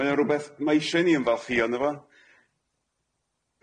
Mae o rwbeth ma' ishe i ni ymfalchio ynddo fo.